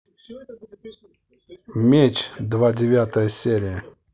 меч два девятая серия